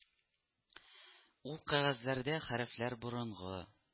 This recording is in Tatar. Ул кәгазьләрдә хәрефләр борынгы